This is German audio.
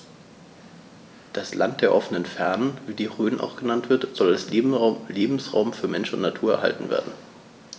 Das „Land der offenen Fernen“, wie die Rhön auch genannt wird, soll als Lebensraum für Mensch und Natur erhalten werden.